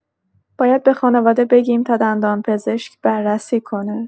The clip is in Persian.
باید به خانواده بگیم تا دندان‌پزشک بررسی کنه.